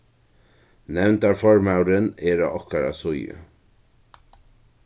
nevndarformaðurin er á okkara síðu